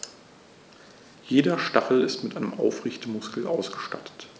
Jeder Stachel ist mit einem Aufrichtemuskel ausgestattet.